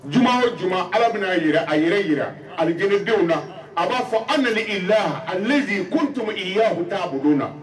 Juma o juma Ala bɛn'a jira, a yɛrɛ jira jira alijinɛdenw na a b'a fɔ